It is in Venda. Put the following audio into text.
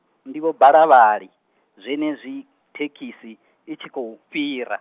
ndi Vho Balavhali, zwenezwi, thekhisi, i tshi khou, fhira.